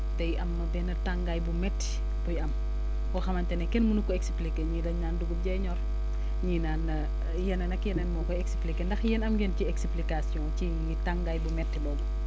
day am benn tàngaay bu métti buy am boo xamante ne kenn mënu ko expliquer ñii dañ naan dugub jee ñor ñii naan yeneen ak yeneen moo koy expliqué ndax yéen am ngeen ci explication ci tàngaay bu métti boobu